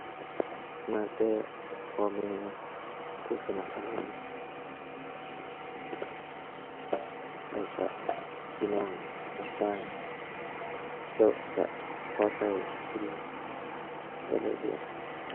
มาแต่พ่อแม่ ผู้สนับสนุน แล้วก็พี่น้องต่างต่าง แต่ว่าก็พอก็อยู่ แต่ละเดือน